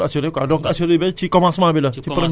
jaratul assurer quoi donc assurer bay ci commencement bi la